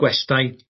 gwestai